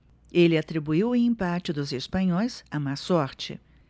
ele atribuiu o empate dos espanhóis à má sorte